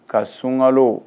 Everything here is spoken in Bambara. Ka sunkalo